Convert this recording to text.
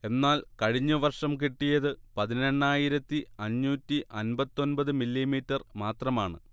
എന്നാൽ കഴിഞ്ഞ വര്ഷം കിട്ടിയത് പതിനെണ്ണായിരത്തി അഞ്ഞൂറ്റി അൻപത്തി ഒൻപത് മില്ലീമീറ്റർ മാത്രമാണ്